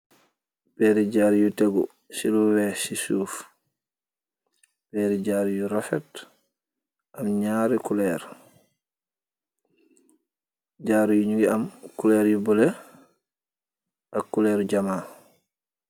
Peehri jaarou yu tehgu ci lu wekh ci suff, peehri jaarou yu rafet am njaari couleur, jaarou yi nungy am couleur yu bleu ak couleu.